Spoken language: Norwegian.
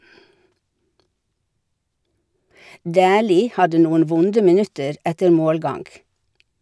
Dæhlie hadde noen vonde minutter etter målgang.